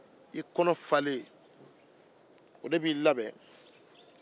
i kɔnɔ falen o de b'i labɛn